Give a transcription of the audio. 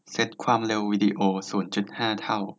เซ็ตความเร็ววีดีโอศูนย์จุดห้าเท่า